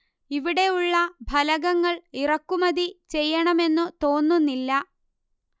ഇവിടെ ഉള്ള ഫലകങ്ങൾ ഇറക്കുമതി ചെയ്യണം എന്നു തോന്നുന്നില്ല